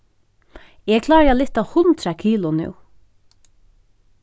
eg klári at lyfta hundrað kilo nú